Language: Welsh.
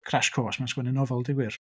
Crash course mewn sgwennu nofel a deud gwir.